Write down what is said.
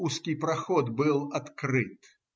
узкий проход был открыт.